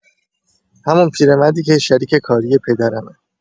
همون پیرمردی که شریک کاری پدرمه.